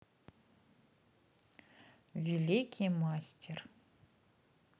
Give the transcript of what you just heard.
великий мастер